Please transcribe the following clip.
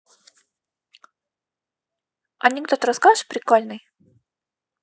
анекдот расскажешь прикольный